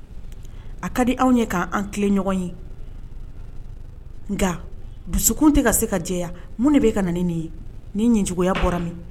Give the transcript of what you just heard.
A ka di anw ye k' an tilen ɲɔgɔn ye nka dusukun tɛ ka se ka jɛ minnu de bɛ ka na nin ye ni ɲɛjuguya bɔra min